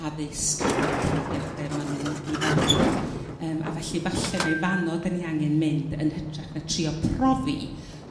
addysg a'r profiade ma' nhw'n 'i dderbyn yrm a felly fallai mai fanno dyn ni angen mynd yn hytrach na trio profi